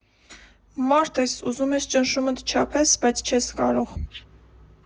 Մարդ ես՝ ուզում ես ճնշումդ չափես, բայց չես կարող։